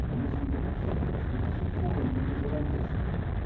но если Брюсову с его сухой и тяжеловесной